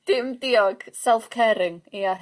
...dim diog self caring ia...